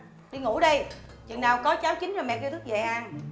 đi ngủ đi chừng nào có cháo chín rồi mẹ kêu thức dậy ăn